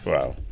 waaw